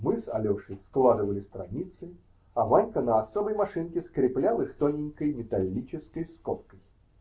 Мы с Алешей складывали страницы, а Ванька на особой машинке скреплял их тоненькой металлической скобкой.